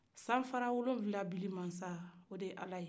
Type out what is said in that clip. san fara wɔlɔn wula dan masa o de ye ala ye